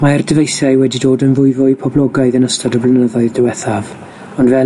Mae'r dyfeisiai wedi dod yn fwy fwy poblogaidd yn ystod y blynyddoedd diwethaf, ond fel